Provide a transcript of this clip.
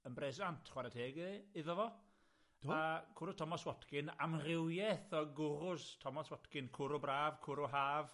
Yn bresant chware teg i fi- iddo fo... Do? ...a cwrw Thomos Watkin, amrywieth o gwrws Thomos Watkin, cwrw braf, cwrw haf.